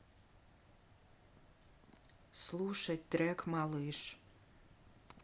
слушать трек малыш